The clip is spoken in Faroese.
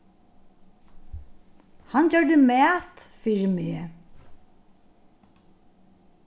hann gjørdi mat fyri meg